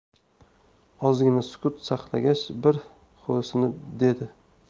ozgina sukut saqlagach bir xo'rsinib dedi